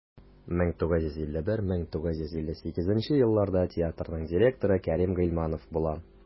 1951-1958 елларда театрның директоры кәрим гыйльманов була.